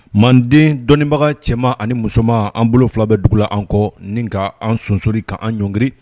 Manden dɔnniibaga cɛman ani musomanma an bolo fila bɛ dugu la an kɔ nin ka an sonsori ka angiriri